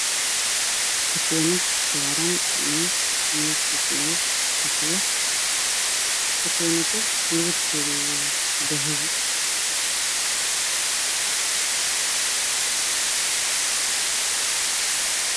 Katiinad saran miis dushiisa